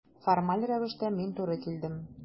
Формаль рәвештә мин туры килдем.